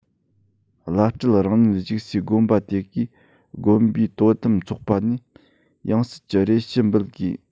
བླ སྤྲུལ རང ཉིད བཞུགས སའི དགོན པ དེ གའི དགོན པའི དོ དམ ཚོགས པ ནས ཡང སྲིད ཀྱི རེ ཞུ འབུལ དགོས